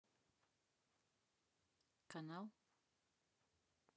канал